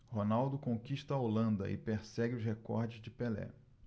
ronaldo conquista a holanda e persegue os recordes de pelé